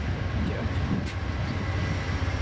hann ger einki til nyttu